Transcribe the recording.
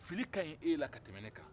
fili ka ɲi e la ka tɛmɛ ne kan